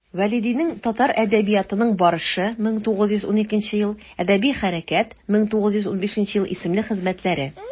Вәлидинең «Татар әдәбиятының барышы» (1912), «Әдәби хәрәкәт» (1915) исемле хезмәтләре.